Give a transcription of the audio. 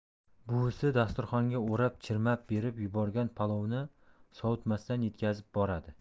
buvisi dasturxonga o'rab chirmab berib yuborgan palovni sovutmasdan yetkazib boradi